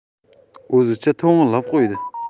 o'zicha to'ng'illab qo'ydi